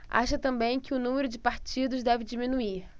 acha também que o número de partidos deve diminuir